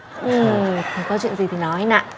ừ có chuyện gì thì nói nạ